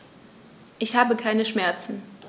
Ich habe keine Schmerzen.